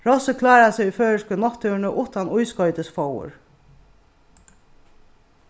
rossið klárar seg í føroysku náttúruni uttan ískoytisfóður